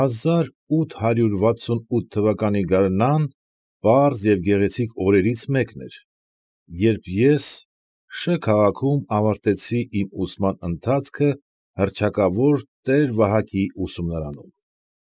Հազար ութ հարյուր վաթսուն և ութ թվականի գարնան պարզ և գեղեցիկ օրերից մեկն էր, երբ ես Շ. քաղաքում ավարտեցի իմ ուսման ընթացքը հռչակավոր տեր֊Վահակի ուսումնարանում։